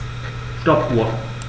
Stoppuhr.